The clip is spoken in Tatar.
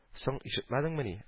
Соң, ишетмәдеңмени